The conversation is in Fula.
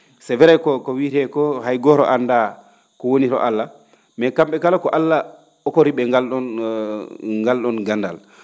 c' vrai ko ko wiyeree koo hay gooro anndaa ko woni ro Allah mais kam?e kala ko Allah okori ?e ngal ?oon ngal ?oon ganndal